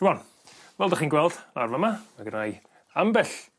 Rŵan fel 'dach chi'n gweld lawr fy' 'ma ma' gynnai ambell